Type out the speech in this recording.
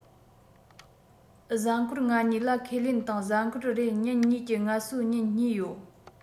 གཟའ འཁོར ༥༢ ལ ཁས ལེན དང གཟའ འཁོར རེར ཉིན གཉིས ཀྱི ངལ གསོའི ཉིན གཉིས ཡོད